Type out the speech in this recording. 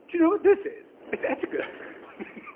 Do you know what this is, it's etiquette!